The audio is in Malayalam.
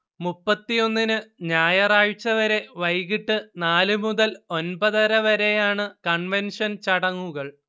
മുപ്പത്തൊന്നിന് ഞായറാഴ്ച വരെ വൈകീട്ട് നാല് മുതൽ ഒൻപതര വരെയാണ് കൺവെൻഷൻ ചടങ്ങുകൾ